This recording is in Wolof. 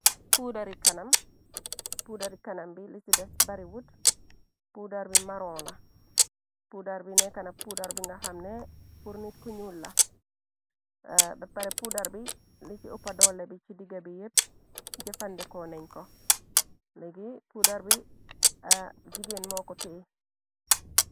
Pudarr ri kanam pudarr kanam bi li si des bari wut, pudarr bi maron la pudarr bi nekana pudarr bi nga xamne purr nit ku ñuul la bepareh pudarr bi li ci ópa dolle bi ci diga bi yep jëfandiko nenko li gi pudarr bi jigéen moko teyeh.